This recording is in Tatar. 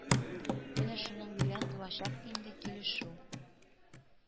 Менә шуның белән булачак инде килешү